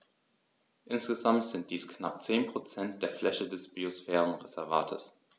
Insgesamt sind dies knapp 10 % der Fläche des Biosphärenreservates.